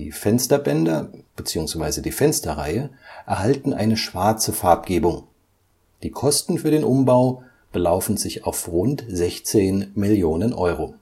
Fensterbänder – die Fensterreihe – erhalten eine schwarze Farbgebung. Die Kosten für den Umbau belaufen sich auf rund 16 Millionen Euro